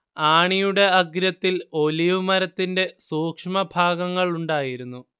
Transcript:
ആണിയുടെ അഗ്രത്തിൽ ഒലീവ് മരത്തിന്റെ സൂക്ഷ്മഭാഗങ്ങളുണ്ടായിരുന്നു